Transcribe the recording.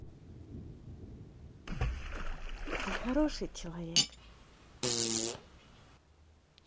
ты хороший человек